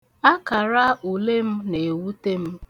Akara ule m na-ewute m.